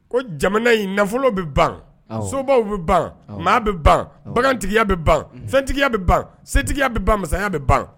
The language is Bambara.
Ko jamana in nafolo bɛ ban sobaw bɛ ban maa bɛ ban bagantigiya bɛ ban santigiya bɛ ban santigiya bɛ ban masaya bɛ ban